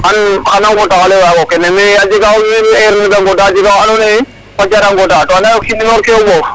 xan, xan a waag a kene mais jega wiin we heure ne da ngodaa, a jega wa andopna yee fajar a ngodaa to anda yee o kiin inoorkee o ɓoof,